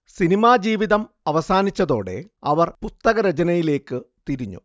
cinema ജീവിതം അവസാനിച്ചതോടെ അവർ പുസ്തക രചനയിലേക്കു തിരിഞ്ഞു